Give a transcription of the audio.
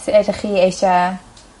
Sut ydych chi eisie